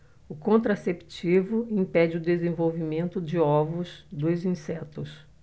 o contraceptivo impede o desenvolvimento de ovos dos insetos